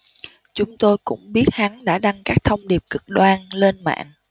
chúng tôi cũng biết hắn đã đăng các thông điệp cực đoan lên mạng